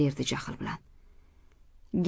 derdi jahl bilan